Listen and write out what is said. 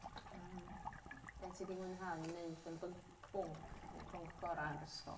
Yym be ti 'di mwynhau wneud yn bync- bwnc neu pwnc gorau yn yr ysgol?